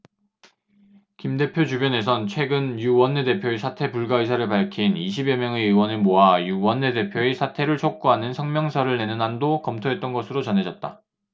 김 대표 주변에선 최근 유 원내대표의 사퇴 불가 의사를 밝힌 이십 여 명의 의원을 모아 유 원내대표의 사퇴를 촉구하는 성명서를 내는 안도 검토했던 것으로 전해졌다